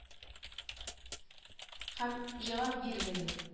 Һ м җавап бир белү